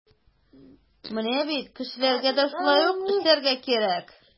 Менә бит кешеләргә дә шулай ук эшләргә кирәк.